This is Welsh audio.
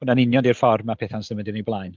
Hynny'n union ydy'r ffordd ma' pethau'n symud yn eu blaen.